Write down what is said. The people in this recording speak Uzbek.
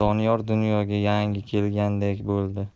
doniyor dunyoga yangi kelgandek bo'ldi